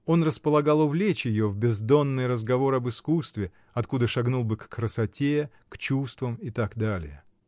Он располагал увлечь ее в бездонный разговор об искусстве, откуда шагнул бы к красоте, к чувствам и т. д.